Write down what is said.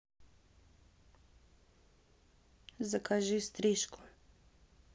закажи стрижку